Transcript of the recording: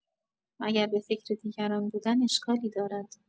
مگر به فکر دیگران بودن اشکالی دارد؟